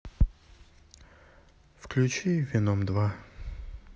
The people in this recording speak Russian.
включи веном два